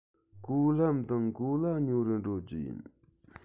གོ ལྷམ དང གོ ལྭ ཉོ རུ འགྲོ རྒྱུ ཡིན